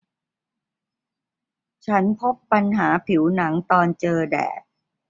ฉันพบปัญหาผิวหนังตอนเจอแดด